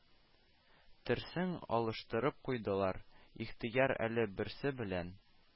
Терсең алыштырып куйдылар: ихтыяр әле берсе белән